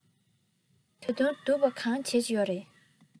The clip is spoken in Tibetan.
ད དུང སྡུག པ གང བྱེད ཀྱི ཡོད རས